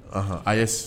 AES